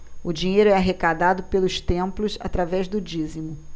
o dinheiro é arrecadado pelos templos através do dízimo